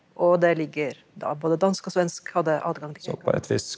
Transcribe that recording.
og det ligger da både dansk og svensk hadde adgang til .